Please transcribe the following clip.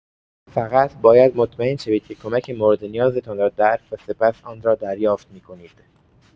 فقط باید مطمئن شوید که کمک موردنیازتان را درک و سپس آن را دریافت می‌کنید.